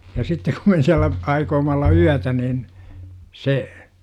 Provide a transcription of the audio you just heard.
ja sitten kun me siellä aioimme olla yötä niin se